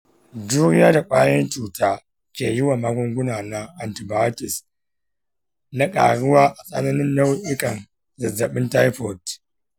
juriya da kwayoyin cuta ke yi wa magungunan antibiotics na ƙaruwa a tsakanin nau'ikan zazzabin taifot.